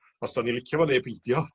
os 'dan ni' licio fo ne' bidio